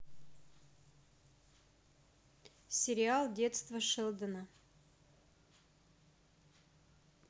сериал детство шелдона